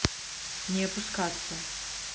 не опускаться